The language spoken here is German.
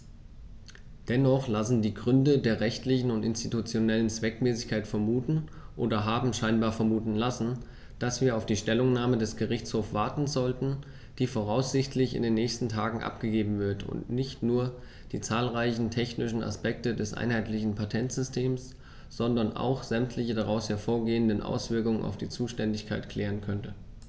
Dennoch lassen die Gründe der rechtlichen und institutionellen Zweckmäßigkeit vermuten, oder haben scheinbar vermuten lassen, dass wir auf die Stellungnahme des Gerichtshofs warten sollten, die voraussichtlich in den nächsten Tagen abgegeben wird und nicht nur die zahlreichen technischen Aspekte des einheitlichen Patentsystems, sondern auch sämtliche daraus hervorgehenden Auswirkungen auf die Zuständigkeit klären könnte.